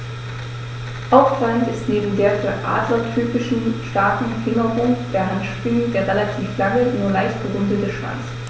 Auffallend ist neben der für Adler typischen starken Fingerung der Handschwingen der relativ lange, nur leicht gerundete Schwanz.